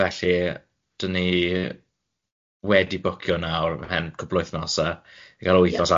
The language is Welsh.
Felly 'dan ni wedi bwcio nawr ymhen cwpwl o wythnose i gael... Ie...